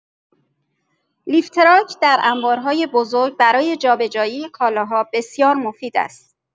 لیفتراک در انبارهای بزرگ برای جابه‌جایی کالاها بسیار مفید است.